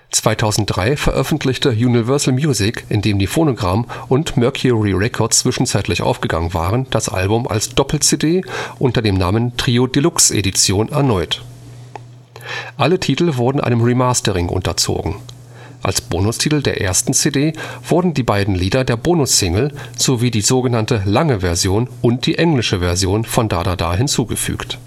2003 veröffentliche Universal Music, in dem die PhonoGram und Mercury Records zwischenzeitlich aufgegangen waren, das Album als Doppel-CD unter dem Namen Trio Deluxe Edition erneut. Alle Titel wurden einem Remastering unterzogen. Als Bonus-Titel der ersten CD wurden die beiden Lieder der Bonus-Single sowie die so genannte „ Lange Version “und die englische Version von Da Da Da hinzugefügt